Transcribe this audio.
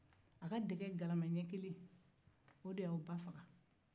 a ka dɛgɛ galama ɲɛ kelen o de ye aw ba faga